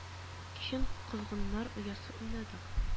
Кичен козгыннар оясы уйнадык